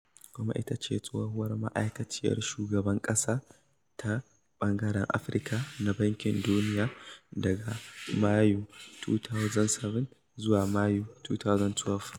Kuma itace tsohuwar mataimakiyar shugaban ƙasa ta ɓangaren Afirka na Bankin Duniya daga Mayun 2007 zuwa Mayu 2012.